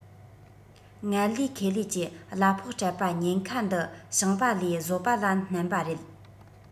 ངལ ལས ཁེ ལས ཀྱིས གླ ཕོགས སྤྲད པ ཉེན ཁ འདི ཞིང པ ལས བཟོ པ ལ བསྣན པ རེད